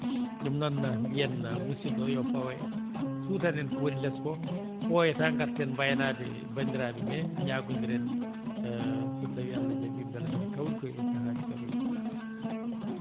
ɗum noon mbiyen musidɗo o yo fawan en suutan en ko woni lees koo ɓooyataa ngarten waynaade bandiraaɓe ɓee njaafonndiren so tawii Allah jaɓii mbela eɗen kawrita e o sahaa ni so Allah jaɓii